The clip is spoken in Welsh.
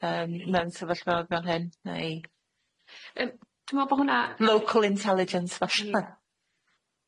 yym mewn sefyllfaoedd fel hyn neu... Yym dwi me'wl bo' hwnna... local intelligence falla?